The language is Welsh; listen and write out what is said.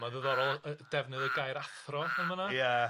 ma'n ddiddorol yy defnydd y gair athro yn fan'na. Ia.